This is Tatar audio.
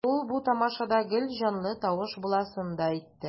Ул бу тамашада гел җанлы тавыш буласын да әйтте.